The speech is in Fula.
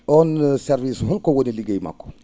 oon service holko woni ligey makko